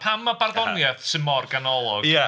Pam mai barddoniaeth... aha. ...sy'n mor ganolog... ia.